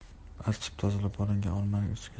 archib tozalab olingan olmaning ustiga